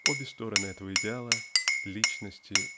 Об стороны этого идеала -- личности